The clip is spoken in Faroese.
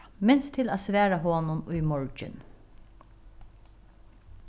minst til at svara honum í morgin